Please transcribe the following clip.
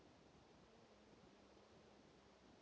человей муравей